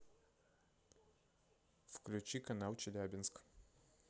включи канал челябинск